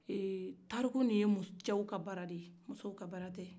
eee tariku ni ye cɛw ka baara de ye musow ka baara tɛ